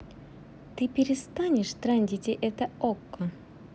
ты перестанешь трандите это okko